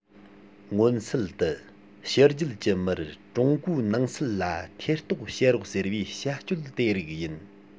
མངོན གསལ དུ ཕྱི རྒྱལ གྱི མིར ཀྲུང གོའི ནང སྲིད ལ ཐེ གཏོགས བྱེད རོགས ཟེར བའི བྱ སྤྱོད དེ རིགས ཡིན